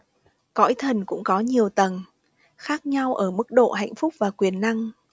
cõi thần cũng có nhiều tầng khác nhau ở mức độ hạnh phúc và quyền năng